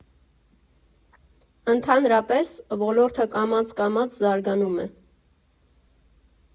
Ընդհանրապես, ոլորտը կամաց֊կամաց զարգանում է։